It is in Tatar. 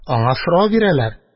Аңа сорау бирәләр: